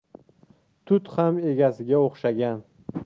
tut ham egasiga o'xshagan